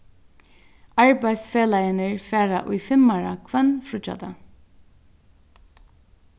arbeiðsfelagarnir fara í fimmara hvønn fríggjadag